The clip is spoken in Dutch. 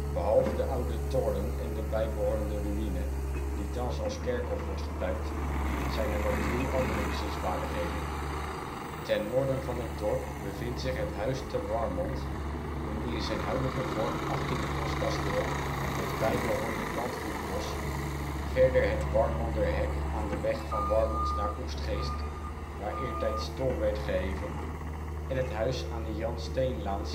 Behalve de Oude Toren en de bijbehorende ruïne, die thans als kerkhof wordt gebruikt, zijn er nog drie andere bezienswaardigheden. Ten noorden van het dorp bevindt zich het Huys te Warmont, een in zijn huidige vorm achttiende-eeuws kasteel met bijbehorend landgoedbos, verder het Warmonderhek aan de weg van Warmond naar Oegstgeest, waar eertijds tol werd geheven, en het huis aan de Jan Steenlaan